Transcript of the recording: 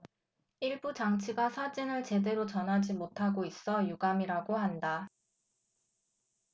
일부 장치가 사진을 제대로 전하지 못하고 있어 유감이라고 한다